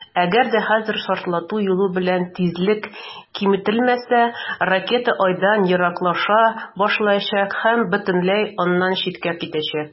Әгәр дә хәзер шартлату юлы белән тизлек киметелмәсә, ракета Айдан ераклаша башлаячак һәм бөтенләй аннан читкә китәчәк.